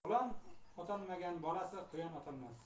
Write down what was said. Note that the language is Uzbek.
otasi qulon otolmaganning bolasi quyon otolmas